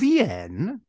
Fi yn!